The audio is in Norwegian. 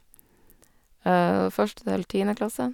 Og det var første til tiende klasse.